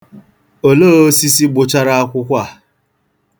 Olee osisi gbụchara akwụkwọ.